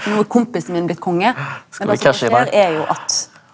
no er kompisen min blitt konge skjer er jo at.